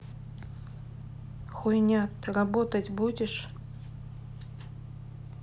хуйня ты работать будешь